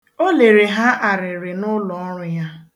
Ibe kwara arịrị maka ọnwụ nwanne ya nwoke